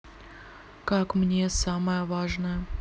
как мне самое важное